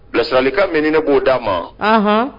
Bilasirali kan min ni ne bo da ma.